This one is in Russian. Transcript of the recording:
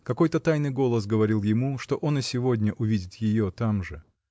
какой-то тайный голос говорил ему, что он и сегодня увидит ее там же.